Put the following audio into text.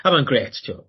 A ma'n grêt t'wo'